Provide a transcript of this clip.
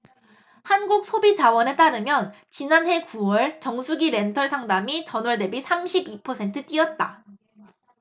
한국소비자원에 따르면 지난해 구 월 정수기렌털 상담이 전월대비 삼십 이 퍼센트 뛰었다